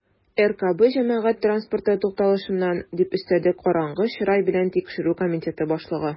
"ркб җәмәгать транспорты тукталышыннан", - дип өстәде караңгы чырай белән тикшерү комитеты башлыгы.